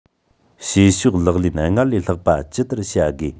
བྱེད ཕྱོགས ལག ལེན སྔར ལས ལྷག པ ཇི ལྟར བྱ དགོས